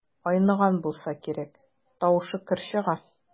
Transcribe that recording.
Айныган булса кирәк, тавышы көр чыга.